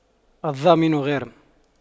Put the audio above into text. الضامن غارم